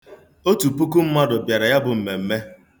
Otu puku mmadụ bịara ya bụ mmemme.